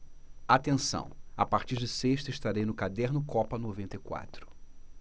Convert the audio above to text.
atenção a partir de sexta estarei no caderno copa noventa e quatro